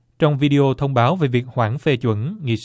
trong vi đi ô thông báo về việc hoãn phê chuẩn nghị sĩ